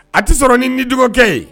A tɛ sɔrɔ ni ni dɔgɔkɛ ye